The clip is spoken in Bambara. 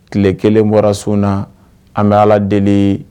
Tile kelen bɔra sun na an bɛ ala deli ye